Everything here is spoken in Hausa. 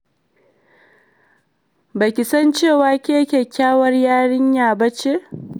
Ba ki san cewa ke kyakkyawar yarinya ba ce?